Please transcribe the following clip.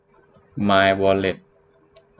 มายวอลเล็ต